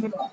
kabo